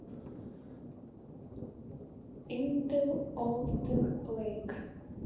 интел older lake